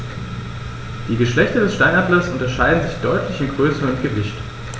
Die Geschlechter des Steinadlers unterscheiden sich deutlich in Größe und Gewicht.